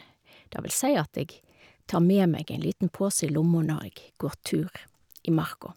Det vil si at jeg tar med meg en liten pose i lomma når jeg går tur i marka.